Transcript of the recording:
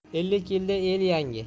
ellik yilda el yangi